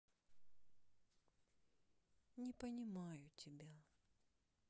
не понимаю тебя